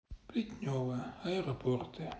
плетнева аэропорты